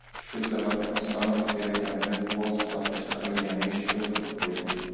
shu sababli ostona hatlayotganida guvoh sifatida chaqirilganiga shukr qilib qo'ydi